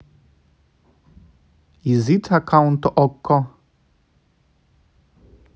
is it аккаунт okko